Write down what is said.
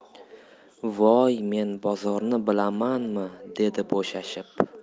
voy men bozorni bilamanmi dedi bo'shashib